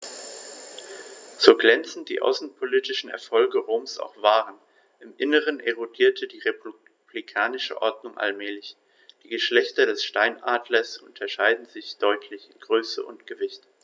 So glänzend die außenpolitischen Erfolge Roms auch waren: Im Inneren erodierte die republikanische Ordnung allmählich. Die Geschlechter des Steinadlers unterscheiden sich deutlich in Größe und Gewicht.